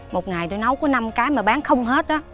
một ngày tôi nấu có năm cái mà bán không hết đó